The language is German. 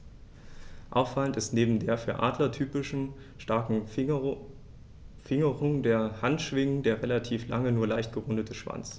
Auffallend ist neben der für Adler typischen starken Fingerung der Handschwingen der relativ lange, nur leicht gerundete Schwanz.